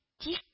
Тик